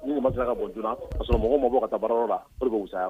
Ni ma se ka bon dunan ka sɔrɔ mɔgɔ mako ka taa baarayɔrɔ la fisa yan